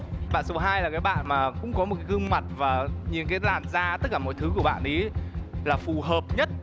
bạn số hai là cái bạn mà cũng có một cái gương mặt và nhìn cái làn da tất cả mọi thứ của bạn ý là phù hợp nhất